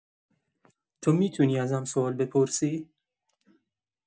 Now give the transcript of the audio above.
تو می‌تونی ازم سؤال بپرسی؟